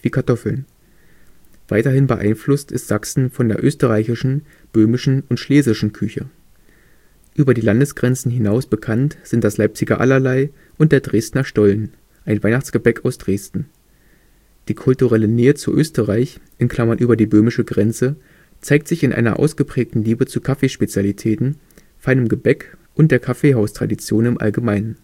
Kartoffeln. Weiterhin beeinflusst ist Sachsen von der österreichischen, böhmischen und schlesischen Küche. Über die Landesgrenzen hinaus bekannt sind das Leipziger Allerlei und der Dresdner Stollen, ein Weihnachtsgebäck aus Dresden. Die kulturelle Nähe zu Österreich (über die böhmische Grenze) zeigt sich in einer ausgeprägten Liebe zu Kaffeespezialitäten, feinem Gebäck und der Kaffeehaustradition im Allgemeinen